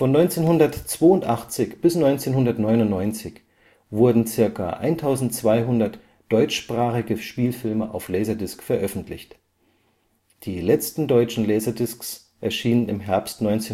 1982 bis 1999 wurden circa 1200 deutschsprachige Spielfilme auf Laserdisc veröffentlicht. Die letzten deutschen LDs erschienen im Herbst 1999